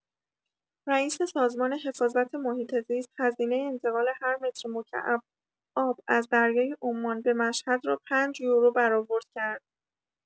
رئیس سازمان حفاظت محیط‌زیست هزینه انتقال هر مترمکعب آب از دریای عمان به مشهد را پنج یورو برآورد کرد.